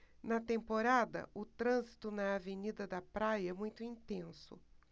na temporada o trânsito na avenida da praia é muito intenso